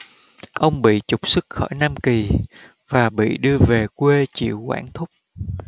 ông bị trục xuất khỏi nam kỳ và bị đưa về quê chịu quản thúc